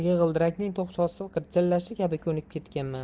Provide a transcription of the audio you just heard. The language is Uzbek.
g'ildirakning to'xtovsiz g'irchillashi kabi ko'nikib ketganman